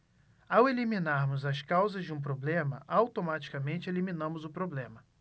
ao eliminarmos as causas de um problema automaticamente eliminamos o problema